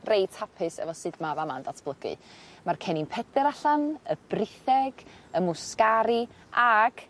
reit hapus efo sud 'ma fa' 'ma'n datblygu. ma'r cennin pedyr allan y britheg y mwsgari ag